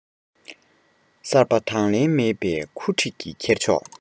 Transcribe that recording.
གསར པ དང ལེན མེད པའི ཁུ འཁྲིགས ཀྱི ཁེར ཕྱོགས